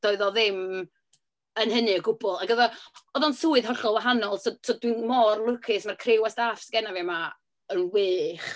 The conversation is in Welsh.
Doedd o ddim yn hynny o gwbl. Ac oedd o oedd o'n swydd hollol wahanol, so so dwi'n mor lwcus, ma'r criw o staff 'sgenna fi 'ma yn wych.